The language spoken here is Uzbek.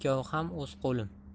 ikkovi ham o'z qo'lim